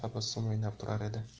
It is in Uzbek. tabassum o'ynab turar edi